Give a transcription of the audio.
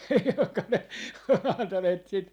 jonka ne on antaneet sitten